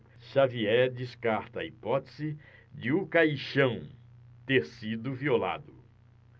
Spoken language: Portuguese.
xavier descarta a hipótese de o caixão ter sido violado